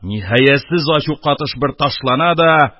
Ниһаясез ачу катыш бер ташлана да